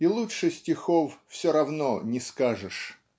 И лучше стихов все равно не скажешь.